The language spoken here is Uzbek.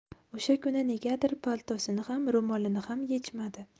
o'sha kuni negadir paltosini ham ro'molini ham yechmadi